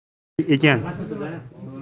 nimaga shunday ekan